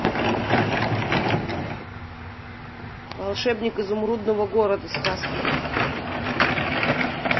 волшебник изумрудного города сказка